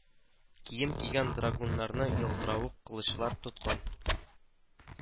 Кием кигән драгуннарны, ялтыравык кылычлар тоткан